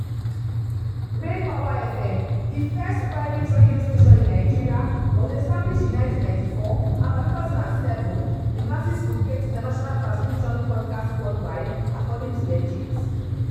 RayPower FM, the first private radio station in Nigeria, was established in 1994, and by 2007, the masses could get international transmission broadcast worldwide, according to Legit.